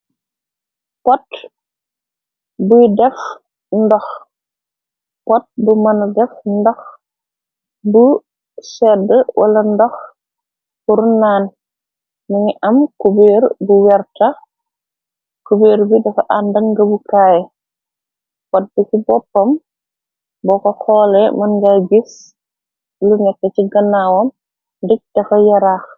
pot bu mëna def ndox bu sedd wala ndox purunaan na ngi am kubeer bu wertax kubeer buy defa ànda nga bukaay potd ci boppam bo ko xoole mën ngay gis lu nete ci ganaawam dij dafa yaraax